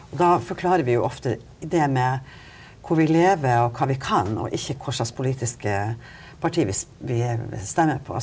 og da forklarer vi jo ofte det med hvor vi lever og hva vi kan og ikke hvordan politiske parti vi stemme på.